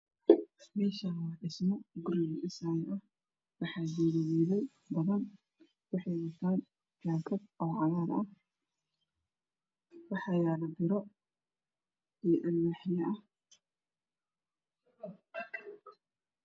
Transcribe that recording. Meeshani waa dhismo guri la dhisayoo waxaa joogo wilal badan. Waxay wataan jaakad cag cagaar ah waxaa yaalo biro. Iyo alwaaxyo